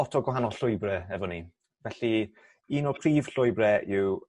lot o gwahanol llwybre efo ni felly un o'r prif llwybre yw